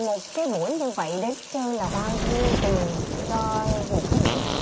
cái buổi như vậy đến chơi là bao nhiêu tiền cho một cái buổi